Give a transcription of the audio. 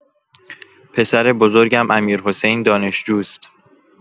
پسر بزرگم امیرحسین دانشجوست.